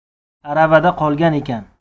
aravada qolgan ekan